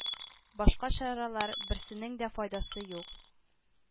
Башка чаралар – берсенең дә файдасы юк.